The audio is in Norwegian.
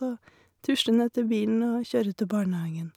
Og tusler ned til bilen og kjører til barnehagen.